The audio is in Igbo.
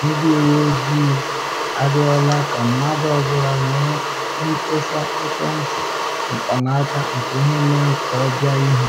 Ndị uwe ojii arịọla ka mmadụ ọ bụla nwere nseta ekwentị mkpanaka nke ihe mere ka ọ bịa ihu.